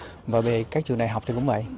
và về các trường đại học thì cũng vậy